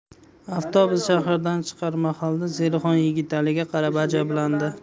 avtobus shahardan chiqar mahalda zelixon yigitaliga qarab ajablandi